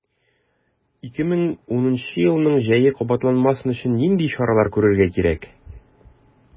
2010 елның җәе кабатланмасын өчен нинди чаралар күрергә кирәк?